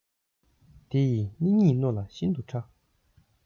དེ ཡི སྣེ གཉིས རྣོ ལ ཤིན ཏུ ཕྲ